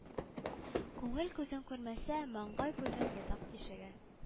Күңел күзең күрмәсә маңгай күзең ботак тишеге